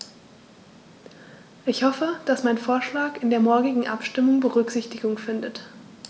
Ich hoffe, dass mein Vorschlag in der morgigen Abstimmung Berücksichtigung findet.